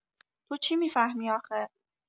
تو چی می‌فهمی آخه؟!